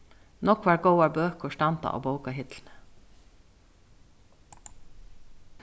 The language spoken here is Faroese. nógvar góðar bøkur standa á bókahillini